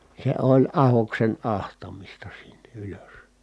se oli ahdoksen ahtamista sinne ylös